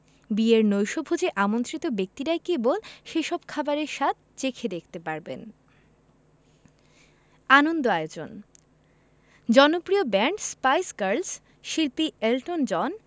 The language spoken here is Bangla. বিয়ের নৈশভোজে আমন্ত্রিত ব্যক্তিরাই কেবল সেসব খাবারের স্বাদ চেখে দেখতে পারবেন আনন্দ আয়োজন জনপ্রিয় ব্যান্ড স্পাইস গার্লস শিল্পী এলটন জন